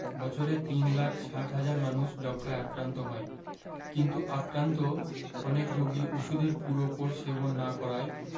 বছরে তিন লাখ ৬০ হাজার মানুষ যক্ষ্মায় আক্রান্ত হয় কিন্তু আক্রান্ত অনেক রোগী ওষুধের পুরো কোর্স সেবন না করায়